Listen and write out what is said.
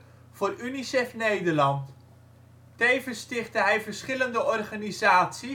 Unicef Nederland. Tevens stichtte hij verschillende organisaties